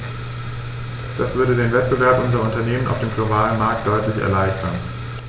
Das würde den Wettbewerb unserer Unternehmen auf dem globalen Markt deutlich erleichtern.